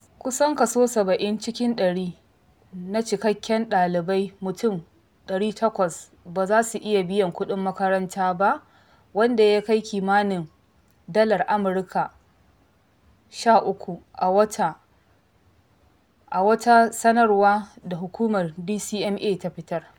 Kusan kaso 70 cikin ɗari na cikakkun ɗalibai mutum 800 ba za su iya biyan kuɗin makaranta ba, wanda ya kai kimanin dalar Amurka $13 a wata, a wata sanarwa da hukumar DCMA ta fitar.